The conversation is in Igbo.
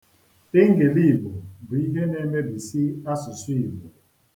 Ngiliigbo bụ ihe na-emebisi asụsụ Igbo.